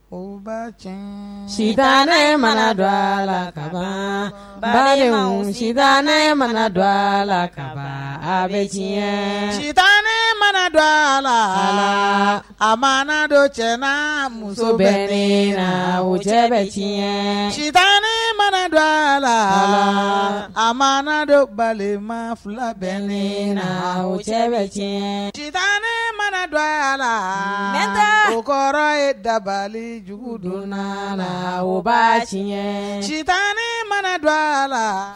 O base sita ne mana dɔgɔ a la ka ba sita ne mana dɔ a la ka bɛ diɲɛ ci ne mana dɔ a la a ma dɔ cɛ muso bɛ wo cɛ bɛɲɛ cita ne mana don a la a ma dɔ balima fila bɛ le na wo cɛ bɛ tiɲɛ ci tan ne mana don a la ne tɛ kɔrɔ ye dabalijugu donna la o baɲɛ cita ne mana don a la